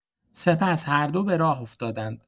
سپس هر دو به راه افتادند.